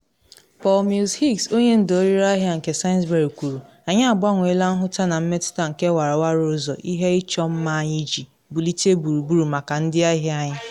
Paul Mills-Hicks, onye ndu ọrịre ahịa nke Sainsbury, kwuru: “Anyị agbanweela nhụta na mmetụta nke warawara ụzọ ihe ịchọ mma anyị iji bulite gburugburu maka ndị ahịa anyị.